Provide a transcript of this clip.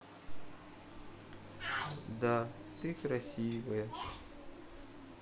да ты красивая